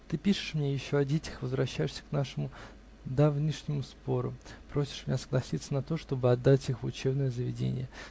Ты пишешь мне еще о детях и возвращаешься к нашему давнишнему спору: просишь меня согласиться на то, чтобы отдать их в учебное заведение.